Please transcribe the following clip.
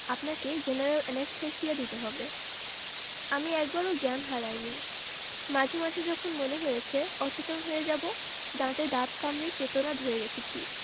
আপনাকে general anaesthesia দিতে হবে আমি একবারও জ্ঞান হারাইনি মাঝে মাঝে যখন মনে হয়েছে অচেতন হয়ে যাবো দাঁতে দাঁত কামড়ে চেতনা ধরে রেখেছি